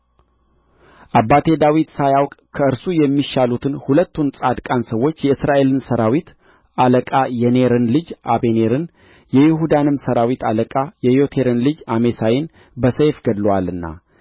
አባቴ ዳዊት ሳያውቅ ከእርሱ የሚሻሉትን ሁለቱን ጻድቃን ሰዎች የእስራኤልን ሠራዊት አለቃ የኔርን ልጅ አበኔርን የይሁዳንም ሠራዊት አለቃ የዬቴርን ልጅ አሜሳይን በሰይፍ ገድሎአልና